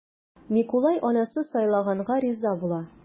Микулай анасы сайлаганга риза була.